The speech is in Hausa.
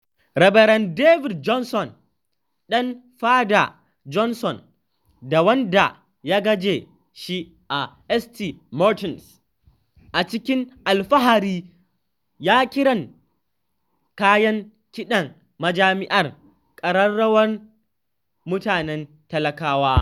Rabaran David Johnson, ɗan Fada Johnson da wanda ya gaje shi a St. Martin's, a cikin alfahari ya kiran kayan kiɗan majami’ar “ƙararrawowin mutane talakawa.”